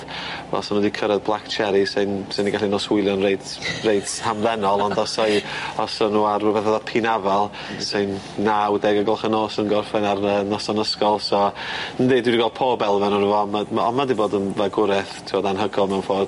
wel 's nw 'di cyrradd Black Cherry sai'n sa ni'n gallu noswylio'n reit reit hamddenol ond os o'u os o'n nw ar rwbeth fatha pin-afal sai'n naw deg o'r gloch y nos yn gorffen ar yy noson ysgol so yndi dwi 'di gweld pob elfen on' ma' on' ma' di bod yn fagwreth tibod anhygol mewn ffordd.